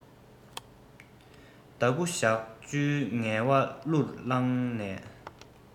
ཟླ དགུ ཞག བཅུའི ངལ བ ལྷུར བླངས ནས